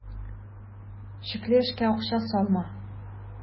Шикле эшкә акча салма.